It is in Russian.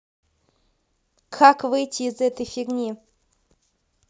как выйти из этой фигни